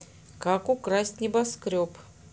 как украсть небоскреб